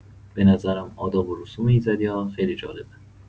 به نظرم آداب و رسوم ایزدی‌ها خیلی جالبه!